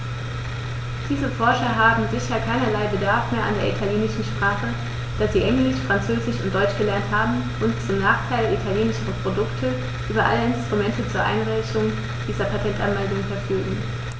Diese Forscher haben sicher keinerlei Bedarf mehr an der italienischen Sprache, da sie Englisch, Französisch und Deutsch gelernt haben und, zum Nachteil italienischer Produkte, über alle Instrumente zur Einreichung dieser Patentanmeldungen verfügen.